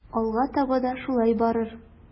Алга таба да шулай барыр.